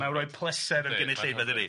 Ma'n roi pleser i'r gynulleidfa dydi?